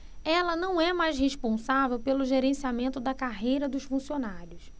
ela não é mais responsável pelo gerenciamento da carreira dos funcionários